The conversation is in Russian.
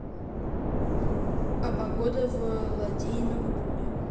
а погода в ладейном поле